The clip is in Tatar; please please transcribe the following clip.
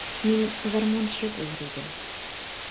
Мин гармунчы булыр идем.